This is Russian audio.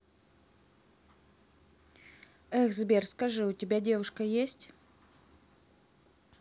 эх сбер скажи пожалуйста у тебя девушка есть